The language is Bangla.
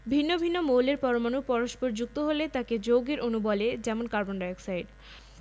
ভিন্ন ভিন্ন মৌলের পরমাণু পরস্পর যুক্ত হলে তাকে যৌগের অণু বলে যেমন কার্বন ডাই অক্সাইড